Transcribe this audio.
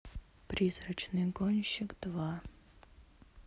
призрачный гонщик два